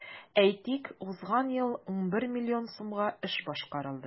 Әйтик, узган ел 11 миллион сумга эш башкарылды.